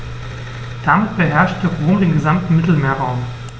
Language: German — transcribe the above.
Damit beherrschte Rom den gesamten Mittelmeerraum.